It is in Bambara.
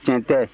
tiɲɛ tɛ